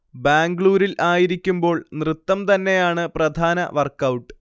ബാംഗ്ലൂരിൽ ആയിരിക്കുമ്പോൾ നൃത്തംതന്നെയാണ് പ്രധാന വർക്ക് ഔട്ട്